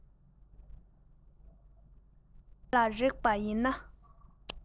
གོ ས ལ རེག པ ཡིན ལ